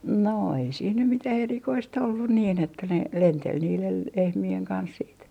no ei siinä nyt mitään erikoista ollut niin että ne lenteli niiden lehmien kanssa sitten